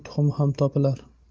tuxumi ham topilar